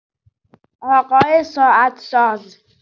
آقای ساعت‌ساز